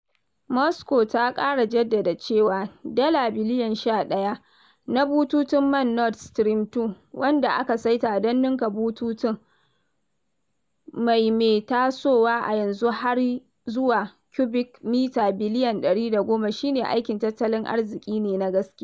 Moscow ta ƙara jaddada cewa, Dala biliyan 11 na bututun man Nord Stream 2, wanda aka saita don ninka bututun mai me tasowa a yanzu har zuwa cubic mita biliyan 110, shi ne aikin tattalin arziki ne na gaskiya.